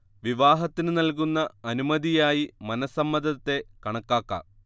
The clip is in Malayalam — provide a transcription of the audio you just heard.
വിവാഹത്തിന് നൽകുന്ന അനുമതിയായി മനഃസമ്മതത്തെ കണക്കാക്കാം